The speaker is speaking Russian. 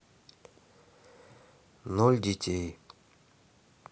ноль детей